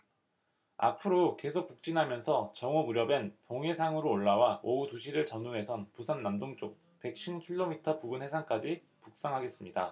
앞으로 계속 북진하면서 정오 무렵엔 동해상으로 올라와 오후 두 시를 전후해선 부산 남동쪽 백 쉰 킬로미터 부근 해상까지 북상하겠습니다